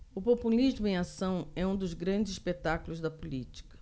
o populismo em ação é um dos grandes espetáculos da política